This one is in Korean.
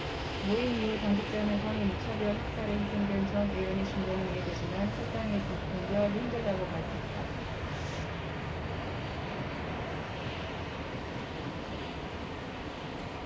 모임 이후 한 당직자는 당의 무차별 학살에 희생된 전 의원의 심정은 이해되지만 탈당에 동조하기 힘들다고 밝혔다